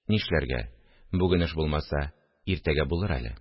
Нишләргә, бүген эш булмаса, иртәгә булыр әле